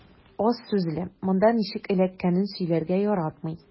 Аз сүзле, монда ничек эләккәнен сөйләргә яратмый.